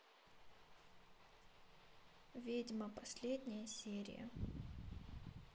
ведьма последняя серия